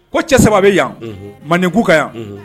Ko cɛ saba bɛ yan mandenku ka yan